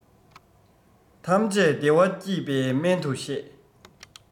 ཐམས ཅད བདེ བ སྐྱེད པའི སྨན དུ བཤད